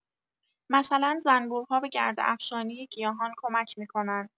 مثلا زنبورها به گرده‌افشانی گیاهان کمک می‌کنن